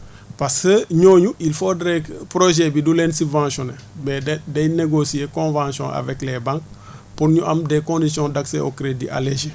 parce que ñooñu il faufrait projet bi du leen subventionné mais day day négocier convention avec les banques pour ñu am des conditions d' accès au crédit allergique